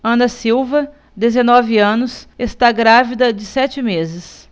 ana silva dezenove anos está grávida de sete meses